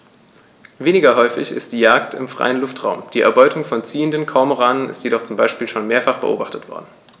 Weniger häufig ist die Jagd im freien Luftraum; die Erbeutung von ziehenden Kormoranen ist jedoch zum Beispiel schon mehrfach beobachtet worden.